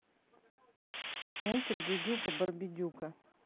мультик дюдюка барбидюка